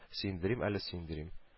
Өендерим әле, сөендерим